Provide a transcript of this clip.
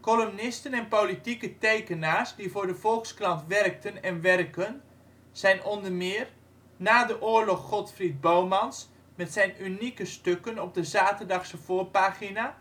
Columnisten en politieke tekenaars die voor de Volkskrant werkten en werken zijn onder meer: na de oorlog Godfried Bomans met zijn unieke stukken op de zaterdagse voorpagina,